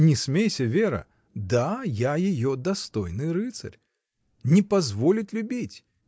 — Не смейся, Вера: да, я ее достойный рыцарь! Не позволить любить!